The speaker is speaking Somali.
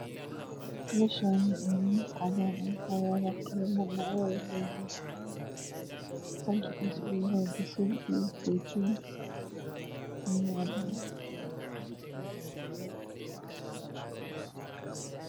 Me Shani wa miis cadan ah waxa yalo qalomo nuc yadoda kaladuwan kalar kisu uyahay badali iyo seytun iya cadaan